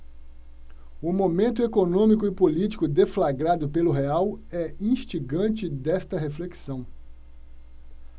o momento econômico e político deflagrado pelo real é instigante desta reflexão